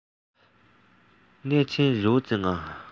གནས ཆེན རི བོ རྩེ ལྔ